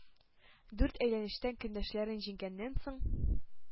Дүрт әйләнештә көндәшләрен җиңгәннән соң,